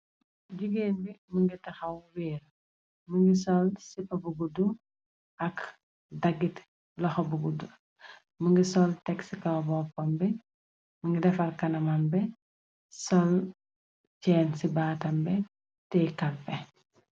Jegain bi më ngi taxaw weer më ngi sol sipa bu guddu ak daggit loxa bu guddu më ngi sol teg sikaw boppam be më ngi defar kanamam be sol cenn ci baatambe teye kàlpe.